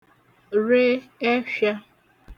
re ẹfhīa